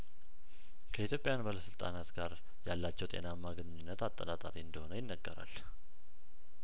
ከኢትዮጵያውያን ባለስልጣናት ጋር ያላቸው ጤናማ ግንኙነት አጠራጣሪ እንደሆነ ይነገራል